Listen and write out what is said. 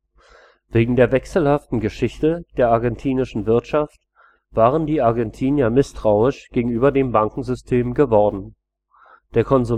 Wegen der wechselhaften Geschichte der argentinischen Wirtschaft waren die Argentinier misstrauisch gegenüber dem Bankensystem geworden; der Konsumentenvertrauensindex